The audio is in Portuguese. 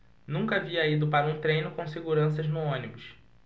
nunca havia ido para um treino com seguranças no ônibus